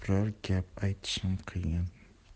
biror gap aytishim qiyin